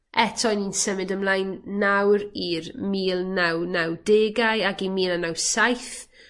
Eto, ni'n symud ymlaen nawr i'r mil naw naw degau ag i mil naw naw saith